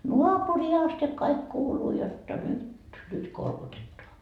naapuriin asti kaikki kuuluu jotta nyt nyt kolkutetaan